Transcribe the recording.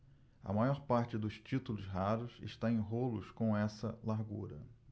a maior parte dos títulos raros está em rolos com essa largura